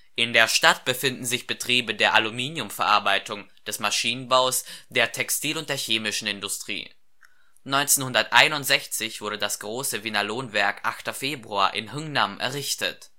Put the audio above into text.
In der Stadt befinden sich Betriebe der Aluminiumverarbeitung, des Maschinenbaus, der Textil - und der chemischen Industrie. 1961 wurde das große Vinalon-Werk „ 8. Februar “in Hŭngnam errichtet